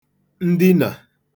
ndinà